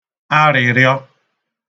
arịrịọ